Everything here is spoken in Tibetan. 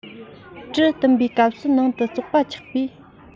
དཀྲེ བཏུམ པའི སྐབས སུ ནང དུ བཙོག པ ཆགས པས